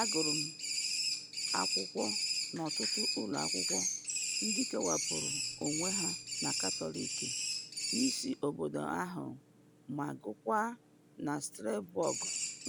Ọ gụrụ akwụkwọ n'ọtụtụ ụlọ akwụkwọ ndị kewapuru onwe ha na Katọlik in isi obodo ahụ ma gaakwaa na Strasbourg